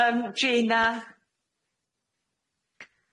Yym Gina.